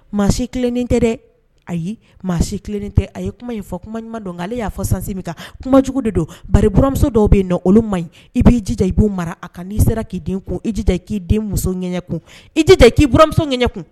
Maa si kelenin tɛ dɛ ayi maa si kelen tɛ a ye kuma in fɔ kuma ɲuman don' ale y'a fɔ san min kan kumajugu de don bauramuso dɔw bɛ yen nɔn olu ma ɲi i b'i jija i b'o mara a ka n'i sera k'i den kun ija i k'i den muso ɲɛ kun i jita k'i buramuso ɲɛ kun